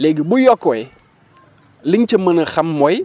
léegi bu yokku wee li nga ci mën a xam mooy